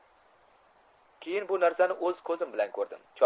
keyin bu narsani o'z ko'zim bilan ko'rdim